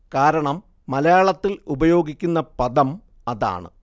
കാരണം മലയാളത്തിൽ ഉപയോഗിക്കുന്ന പദം അതാണ്